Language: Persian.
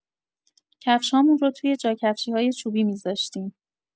کفش‌هامون رو توی جاکفشی‌های چوبی می‌ذاشتیم.